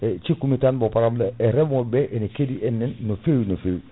e cikkumi tan mo parabla reemoɓeɓe ene keɗi enne no fewi no fewi